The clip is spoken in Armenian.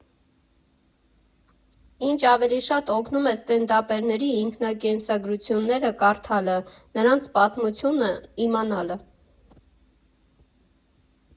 Ինչ ավելի շատ օգնում է ստենդափերների ինքնակենսագրությունները կարդալը, նրանց պատմությունն իմանալը։